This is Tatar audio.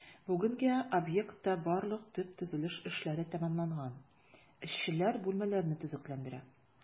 Бүгенгә объектта барлык төп төзелеш эшләре тәмамланган, эшчеләр бүлмәләрне төзекләндерә.